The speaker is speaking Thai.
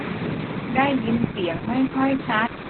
ได้ยินเสียงไม่ค่อยชัด